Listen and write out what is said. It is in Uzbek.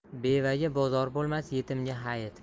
bevaga bozor bo'lmas yetimga hayit